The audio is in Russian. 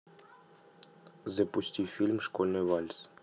запусти фильм школьный вальс